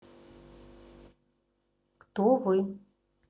кто вы